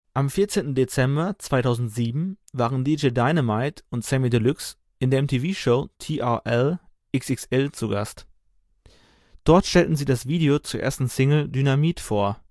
Am 14. Dezember 2007 waren DJ Dynamite und Samy Deluxe in der MTV-Show TRL XXL zu Gast. Dort stellten sie das Video zur ersten Single Dynamit! vor